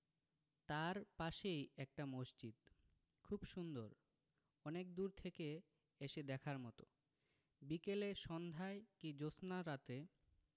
তার পাশেই একটা মসজিদ খুব সুন্দর অনেক দূর থেকে এসে দেখার মতো বিকেলে সন্ধায় কি জ্যোৎস্নারাতে